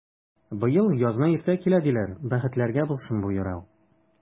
Быел язны иртә килә, диләр, бәхетләргә булсын бу юрау!